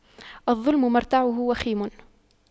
الظلم مرتعه وخيم